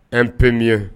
An p